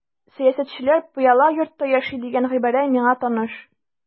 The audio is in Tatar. Сәясәтчеләр пыяла йортта яши дигән гыйбарә миңа таныш.